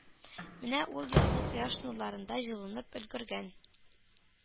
Менә ул язгы кояш нурларында җылынып өлгергән